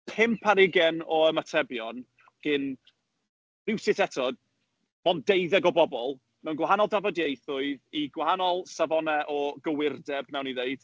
Pump ar ugain o ymatebion, gan, rywsut eto, mond deuddeg o bobl, mewn gwahanol dafodiaethoedd, i gwahanol safonau o gywirdeb, wnawn ni ddweud.